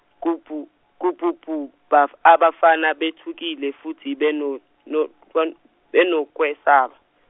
gubhu, gubhubhu, ba- abafana bethukile futhi beno- no- no- benokwesaba.